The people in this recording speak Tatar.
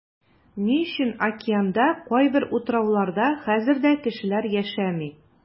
Ни өчен океанда кайбер утрауларда хәзер дә кешеләр яшәми?